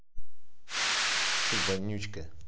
ты вонючка